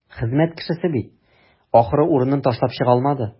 Хезмәт кешесе бит, ахры, урынын ташлап чыга алмады.